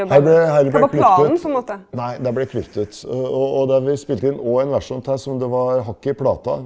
her ble her ble klippet ut nei det ble klippet ut, og og det vi spilte inn òg en versjon til som det var hakk i plata.